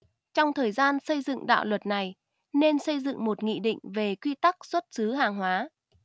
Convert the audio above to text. trong thời gian xây dựng đạo luật này nên xây dựng một nghị định về quy tắc xuất xứ hàng hóa